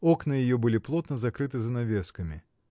Окна ее были плотно закрыты занавесками.